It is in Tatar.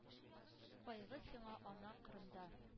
— кайгы сиңа, ана, кырымда